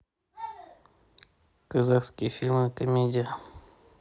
казахские фильмы комедия